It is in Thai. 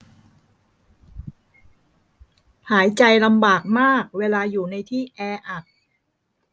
หายใจลำบากมากเวลาอยู่ในที่แออัด